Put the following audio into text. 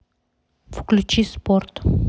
включи спорт